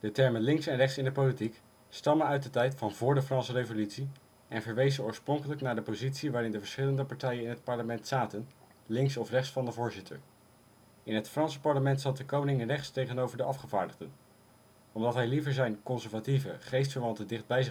termen links en rechts in de politiek stammen uit de tijd van voor de Franse revolutie en verwezen oorspronkelijk naar de positie waarin de verschillende partijen in het parlement zaten (links of rechts van de voorzitter). In het Franse parlement zat de koning rechts tegenover de afgevaardigden. Omdat hij liever zijn (conservatieve) geestverwanten dichtbij